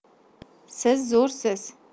siz zo'rsiz